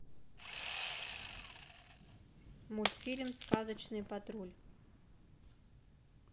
мультфильм сказочный патруль